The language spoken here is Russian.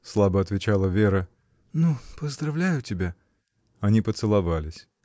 — слабо отвечала Вера, — ну, поздравляю тебя. Они поцеловались.